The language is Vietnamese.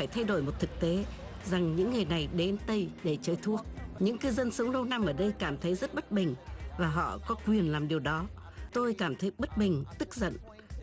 phải thay đổi một thực tế rằng những người này đến tây để chơi thuốc những cư dân sống lâu năm ở đây cảm thấy rất bất bình và họ có quyền làm điều đó tôi cảm thấy bất bình tức giận